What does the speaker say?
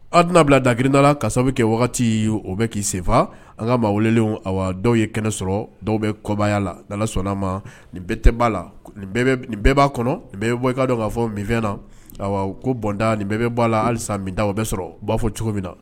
Aw tɛna bila dagkirinda la ka sababu kɛ ye o bɛ k'i senfa an ka maa welelen dɔw ye kɛnɛ sɔrɔ dɔw bɛ kɔbayaya la da sɔnna a ma nin la nin bɛɛ b'a kɔnɔ nin bɔ don k'a fɔ na ko bɔnda nin bɛɛ'a la halisa bɛ sɔrɔ u b'a fɔ cogo min na